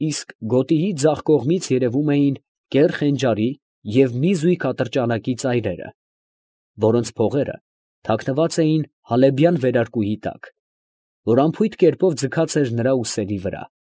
Իսկ գոտիի ձախ կողմից երևում էին կեռ խենջարի և մի զույգ ատրճանակի ծայրերը, որոնց փողերն թաքնված էին հալեբյան վերարկուի տակ, որ անփույթ կերպով ձգած էր նրա ուսերի վրա։